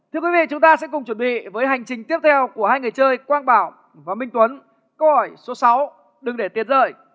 thưa quý vị chúng ta sẽ cùng chuẩn bị với hành trình tiếp theo của hai người chơi quang bảo và minh tuấn câu hỏi số sáu đừng để tiền rơi